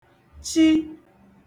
chi